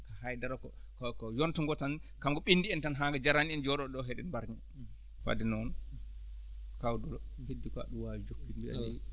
haydara koko yonta ngo tan kanngo ɓenndi en tan haa ngo jarani en joɗoɗo heɗen barña wadde noon kaw Doulo heddii koo aɗa ɗum waawi jokkitde